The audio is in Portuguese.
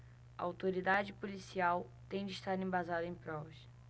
a autoridade policial tem de estar embasada em provas